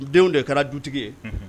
Denw de ye kɛra dutigi ye